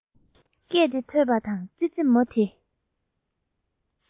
སྐད དེ ཐོས པ དང ཙི ཙི མོ དེ